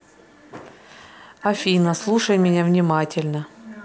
афина слушай меня внимательно